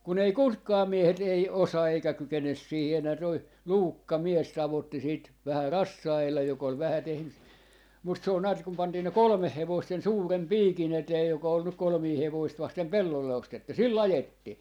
kun ei ketkään miehet ei osaa eikä kykene siihen enää tuo Luukka mies tavoitti sitä vähän rassailla joka oli vähän tehnyt mutta se on näet kun pantiin ne kolme hevosta sen suuren piikin eteen joka oli nyt kolmea hevosta vasten pellolle ostettu sillä ajettiin